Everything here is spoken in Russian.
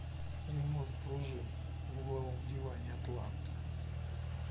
ремонт пружин в угловом диване атланта